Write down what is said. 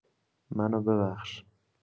منو ببخش.